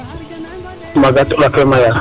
Maaga a teƥ ake mayaa